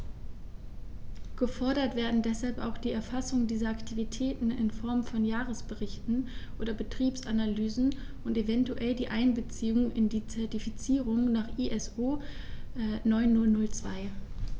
Gefordert werden deshalb auch die Erfassung dieser Aktivitäten in Form von Jahresberichten oder Betriebsanalysen und eventuell die Einbeziehung in die Zertifizierung nach ISO 9002.